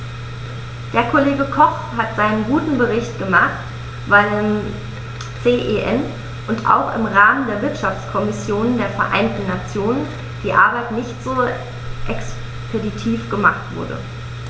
Der Kollege Koch hat seinen guten Bericht gemacht, weil im CEN und auch im Rahmen der Wirtschaftskommission der Vereinten Nationen die Arbeit nicht so expeditiv gemacht wurde.